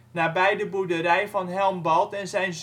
nabij de boerderij van Helmbald en zijn zoon